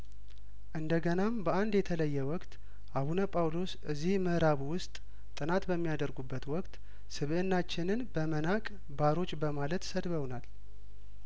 እንደገናም በአንድ የተለየ ወቅት አቡነ ጳውሎስ እዚህ ምእራብ ውስጥ ጥናት በሚያደርጉበት ወቅት ስብእናችንን በመናቅ ባሮች በማለት ሰድበውናል